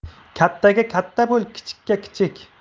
kattaga katta bo'l kichikka kichik